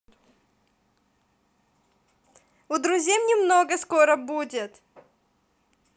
у друзей мне много скоро будет